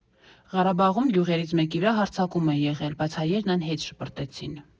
Ղարաբաղում գյուղերից մեկի վրա հարձակում է եղել, բայց հայերն այն հետ շպրտեցին։